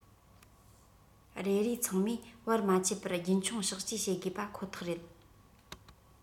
རེ རེ ཚང མས བར མ ཆད པར རྒྱུན འཁྱོངས གཤགས བཅོས བྱེད དགོས པ ཁོ ཐག རེད